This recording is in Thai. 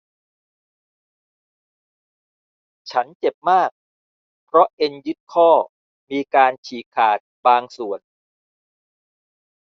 ฉันเจ็บมากเพราะเอ็นยึดข้อมีการฉีกขาดบางส่วน